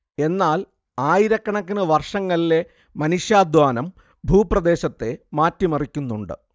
എന്നാൽ ആയിരക്കണക്കിനു വർഷങ്ങളിലെ മനുഷ്യാധ്വാനം ഭൂപ്രദേശത്തെ മാറ്റിമറിക്കുന്നുണ്ട്